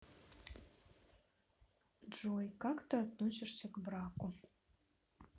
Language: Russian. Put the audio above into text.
джой как ты относишься к браку